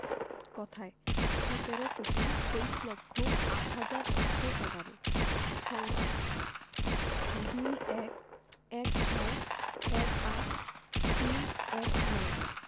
কথায়ঃ সতেরো কোটি তেইশ লক্ষ আট হাজার একশো এগারো সংখ্যাঃ ২১ ১৬ ১৮ ৩১৯